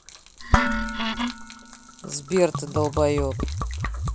сбер ты долбоеб